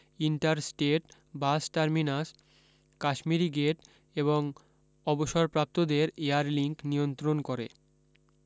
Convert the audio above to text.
inter state bus terminus Kashmiri gate এবং অবসরপ্রাপ্তদের air link নিয়ন্ত্রণ করে